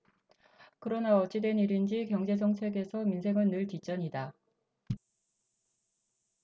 그러나 어찌된 일인지 경제정책에서 민생은 늘 뒷전이다